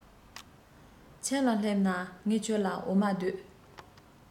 ཁྱིམ ལ སླེབས ན ངས ཁྱོད ལ འོ མ ལྡུད